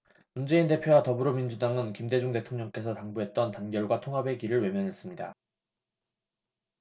문재인 대표와 더불어민주당은 김대중 대통령께서 당부했던 단결과 통합의 길을 외면했습니다